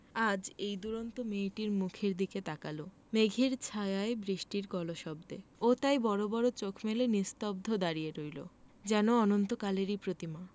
আজ এই দুরন্ত মেয়েটির মুখের দিকে তাকাল মেঘের ছায়ায় বৃষ্টির কলশব্দে ও তাই বড় বড় চোখ মেলে নিস্তব্ধ দাঁড়িয়ে রইল যেন অনন্তকালেরই প্রতিমা